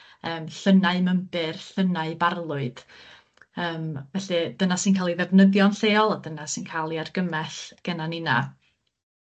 yym Llynnau Mymbyr, Llynnau Barlwyd yym felly dyna sy'n ca'l 'i ddefnyddio'n lleol, a dyna sy'n ca'l 'i argymell gennan ninna.